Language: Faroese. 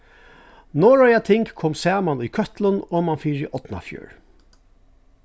norðoya ting kom saman í køtlum oman fyri árnafjørð